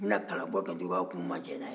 u bɛna kalabɔ kɛ tun u b'a fɔ k'u ma jɛn n'a ye